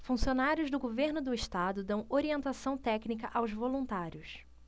funcionários do governo do estado dão orientação técnica aos voluntários